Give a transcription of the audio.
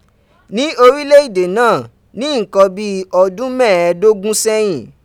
Ní orílẹ̀ èdè náà, ní nǹkan bí ọdún mẹ́ẹ̀ẹ́dógún sẹ́yìn.